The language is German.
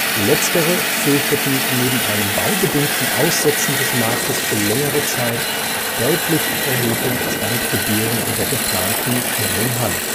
Letztere fürchteten neben einem baubedingten Aussetzen des Marktes für längere Zeit deutlich erhöhte Standgebühren in der geplanten neuen Halle